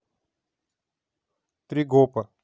три гопа